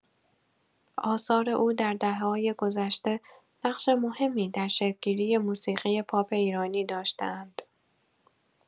آثار او در دهه‌های گذشته نقش مهمی در شکل‌گیری موسیقی پاپ ایرانی داشته‌اند.